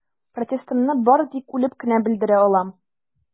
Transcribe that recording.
Протестымны бары тик үлеп кенә белдерә алам.